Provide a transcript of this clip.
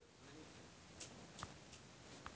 уменьш на один